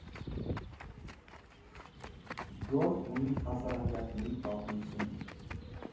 Գոն ունի հազարամյակների պատմություն։